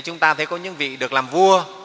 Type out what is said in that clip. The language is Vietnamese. chúng ta thấy có những vị được làm vua